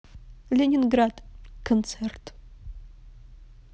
ленинград концерт